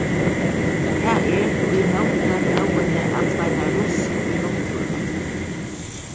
tað er í móti lógini at tveita rusk í náttúruna